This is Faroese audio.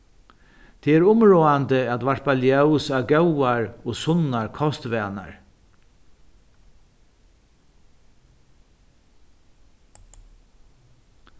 tað er umráðandi at varpa ljós á góðar og sunnar kostvanar